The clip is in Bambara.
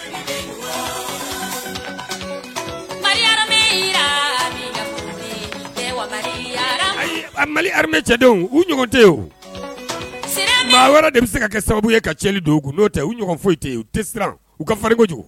Denw te maa wɛrɛ de bɛ se ka kɛ sababu ye ka cɛli don u no u ɲɔgɔn foyi te u te siran u ka fari kojugu